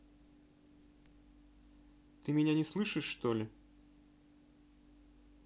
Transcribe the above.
ты меня не слышишь что ли